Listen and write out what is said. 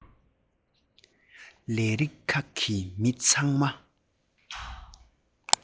ལས རིགས ཁག གི མི ཚང མ